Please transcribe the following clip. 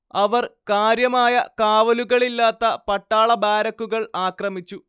അവർ കാര്യമായ കാവലുകളില്ലാത്ത പട്ടാള ബാരക്കുകൾ ആക്രമിച്ചു